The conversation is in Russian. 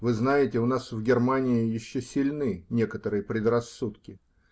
Вы знаете, у нас в Германии еще сильны некоторые предрассудки.